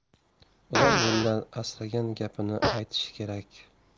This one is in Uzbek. uzoq yillar asragan gapini aytishi kerak